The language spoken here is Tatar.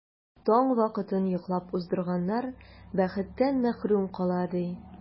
Таң вакытын йоклап уздырганнар бәхеттән мәхрүм кала, ди.